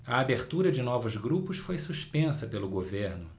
a abertura de novos grupos foi suspensa pelo governo